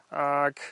ag